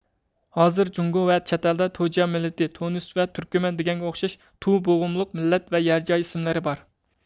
ھازىر جۇڭگو ۋە چەتئەلدە تۇجيا مىللىتى تۇنىس ۋە تۈركمەن دېگەنگە ئوخشاش تۇ بوغۇملۇق مىللەت ۋە يەر جاي ئىسىملىرى بار